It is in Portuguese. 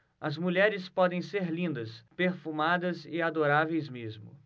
as mulheres podem ser lindas perfumadas e adoráveis mesmo